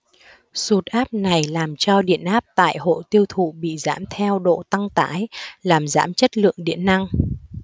sụt áp này làm cho điện áp tại hộ tiêu thụ bị giảm theo độ tăng tải làm giảm chất lượng điện năng